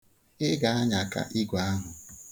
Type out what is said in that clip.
Ị ga-anyaka igwe ahụ.